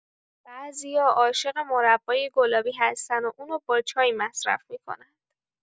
بعضیا عاشق مربای گلابی هستن و اونو با چای مصرف می‌کنن.